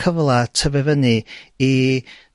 cyfla tyfu fyny i